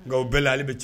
Nka bɛɛ la ale bɛ ci